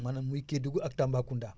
maanaam muy Kédougou ak Tambacounda